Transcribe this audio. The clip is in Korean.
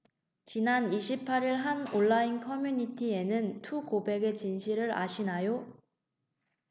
지난 이십 팔 일 한 온라인 커뮤니티에는 투고백의 진실을 아시나요